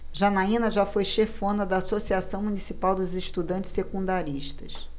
janaina foi chefona da ames associação municipal dos estudantes secundaristas